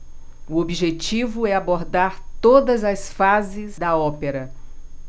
o objetivo é abordar todas as fases da ópera